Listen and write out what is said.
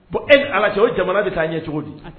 Bon e ala cɛ o jamana de'a ɲɛ cogo di